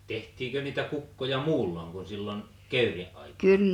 tehtiinkö niitä kukkoja muulloin kuin silloin kekrin aikaan